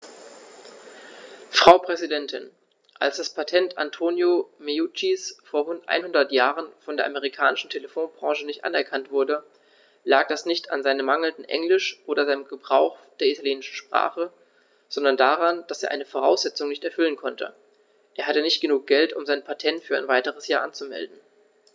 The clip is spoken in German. Frau Präsidentin, als das Patent Antonio Meuccis vor einhundert Jahren von der amerikanischen Telefonbranche nicht anerkannt wurde, lag das nicht an seinem mangelnden Englisch oder seinem Gebrauch der italienischen Sprache, sondern daran, dass er eine Voraussetzung nicht erfüllen konnte: Er hatte nicht genug Geld, um sein Patent für ein weiteres Jahr anzumelden.